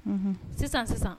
Unhun sisan sisan